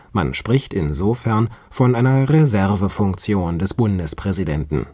Man spricht insofern von einer Reservefunktion des Bundespräsidenten